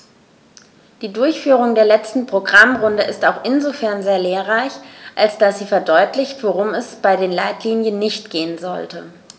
Die Durchführung der letzten Programmrunde ist auch insofern sehr lehrreich, als dass sie verdeutlicht, worum es bei den Leitlinien nicht gehen sollte.